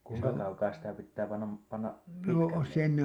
kuinka kaukaa sitä pitää panna - panna pitkälleen